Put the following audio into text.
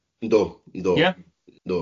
Yndw, yndw... ie?... yndw